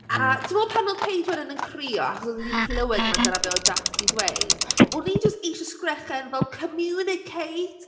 A tibod pan oedd Paige wedyn yn crio, achos oedd hi 'di clywed mae dyna beth oedd Jaques 'di dweud. O'n i jyst eisiau sgrechian fel, "Communicate!"